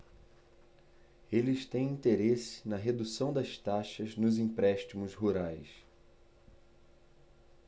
eles têm interesse na redução das taxas nos empréstimos rurais